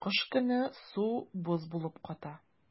Кыш көне су боз булып ката.